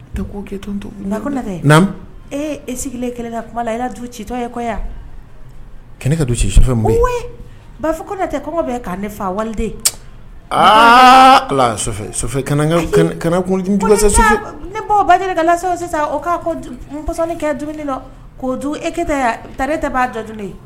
Tɛ ee e sigilen kɛlɛ ka kuma la i' du citɔ ye yan kɛnɛ ka ci koyi ba fɔ kotɛ kɔngɔ bɛ k' ne fa wali aa ne ba sisan o'a kɛ dumuni na ko kojugu e ke yan ta e tɛ b'a dad ye